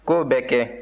k'o bɛ kɛ